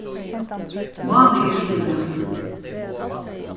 málið er sum matur